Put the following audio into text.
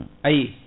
ayi